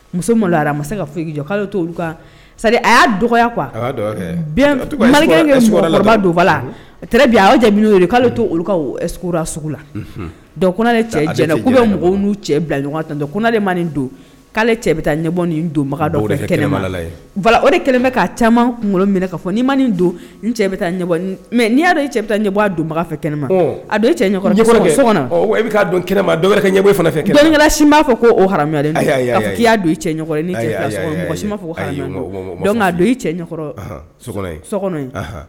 Muso ma se ka jɔ to a y'a dɔgɔ a jɛ' to olu sugu la cɛ jɛnɛ bɛ mɔgɔw nu cɛ bila tan ma nin don'ale cɛ bɛ taa ni don o de bɛ ka ca kunkolo minɛ fɔ ma nin don cɛ taai cɛ ɲɛ donbagafɛ kɛnɛma cɛ m'a fɔ ko i cɛ i cɛ